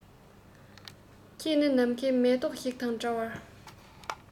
ཁྱེད ནི ནམ མཁའི མེ ཏོག ཞིག དང འདྲ བར